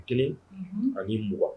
Kelen ani mugan